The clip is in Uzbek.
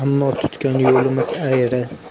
ammo tutgan yo'limiz ayri